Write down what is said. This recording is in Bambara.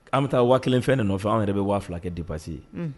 An bɛ taa wa kelen fɛn de nɔfɛ an yɛrɛ bɛ waa fila kɛ di basi ye